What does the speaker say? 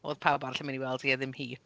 Oedd pawb arall yn mynd i weld hi a ddim hi.